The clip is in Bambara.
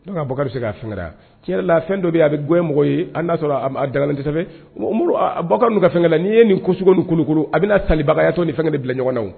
Abubakar bɛ se k'a ka fɛnkɛn de wa, tiɲɛ yɛrɛ la fɛn dɔ bɛ yen, a bɛ gonya mɔgɔ ye hali n'a fagalen tɛ, Abubakar ninnu ka fɛnkɛ la n'i ye nin fɛn suguya ninnu kolo kolo, a bɛna salibagayatɔ ni fɛnkɛ de bilaɲɔgɔ na wo.